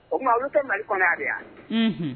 O tuma olu te Mali kɔnɔ yan bi a unhun